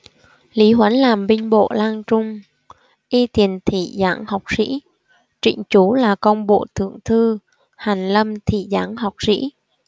lý huấn làm binh bộ lang trung y tiền thị giảng học sĩ trịnh chú là công bộ thượng thư hàn lâm thị giảng học sĩ